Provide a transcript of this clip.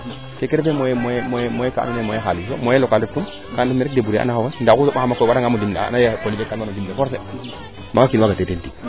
keeke refe moyen ka ando naye moyen xalis o moyen locale ref tum kam ref mene rek debrouiller ana xooxes oxu soɓaxama koy kam warno dimle forcer maaga kiin waaga te teen tig